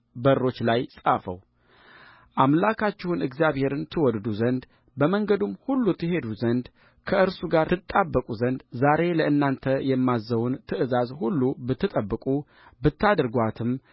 በሮች ላይ ጻፈውአምላካችሁን እግዚአብሔርን ትወድዱ ዘንድ በመንገዱም ሁሉ ትሄዱ ዘንድ ከእርሱም ጋር ትጣበቁ ዘንድ ዛሬ ለእናንተ የማዝዘውን ትእዛዝ ሁሉ ብትጠብቁ ብታደርጉአትም